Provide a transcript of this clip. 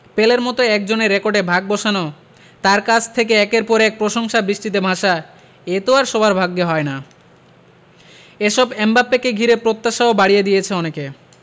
পেলের মতো একজনের রেকর্ডে ভাগ বসানো তাঁর কাছ থেকে একের পর এক প্রশংসাবৃষ্টিতে ভাসা এ তো আর সবার ভাগ্যে হয় না এসব এমবাপ্পেকে ঘিরে প্রত্যাশাও বাড়িয়ে দিয়েছে অনেকে